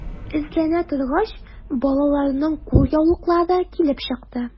Эзләнә торгач, балаларның кулъяулыклары килеп чыкты.